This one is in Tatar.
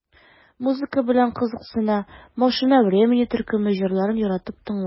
Музыка белән кызыксына, "Машина времени" төркеме җырларын яратып тыңлый.